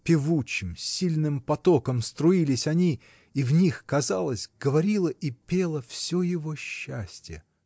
певучим, сильным потоком струились они, -- и в них, казалось, говорило и пело все его счастье.